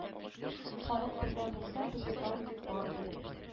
Халык бердәм булса без отар идек барыбер